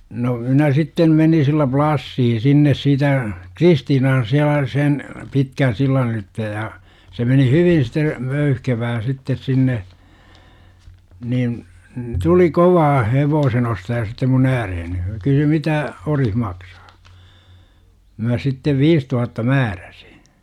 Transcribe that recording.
no minä sitten menin sillä plassia sinne siitä Kristiinan siellä sen pitkän sillan ylitse ja se meni hyvin sitten möyhkevää sitten sinne niin tuli kovaa hevosen ostaja sitten minun ääreeni se kysyi mitä ori maksaa minä sitten viis tuhatta määräsin